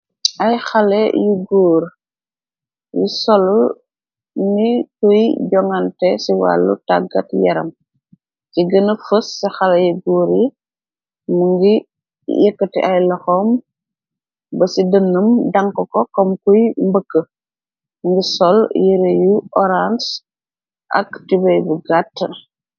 Ay xale yu guur, yi sol ni kuy jonante ci wàllu tàggat yaram, ci gëna fës ci xale yu guur yi, mu ngi yekkti ay laxoom ba ci dënam, dank ko kom kuy mbëkk, ngi sol yire yu orance ak tubéy bu gatt.